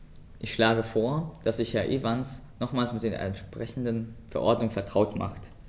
Ich schlage vor, dass sich Herr Evans nochmals mit der entsprechenden Verordnung vertraut macht.